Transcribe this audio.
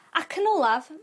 Ac yn olaf